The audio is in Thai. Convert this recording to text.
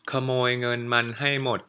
ขโมยเงินมันให้หมด